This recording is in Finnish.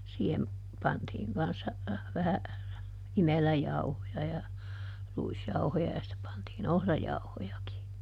siihen pantiin kanssa vähän imeläjauhoja ja ruisjauhoja ja sitten pantiin ohrajauhojakin